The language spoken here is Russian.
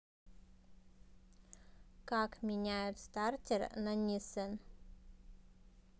как меняют стартер нанесен